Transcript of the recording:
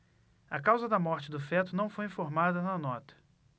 a causa da morte do feto não foi informada na nota